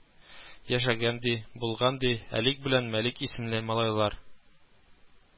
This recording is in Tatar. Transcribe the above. Яшәгән ди, булган ди Әлик белән Мәлик исемле малайлар